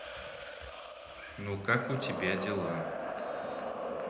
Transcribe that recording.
ну как у тебя дела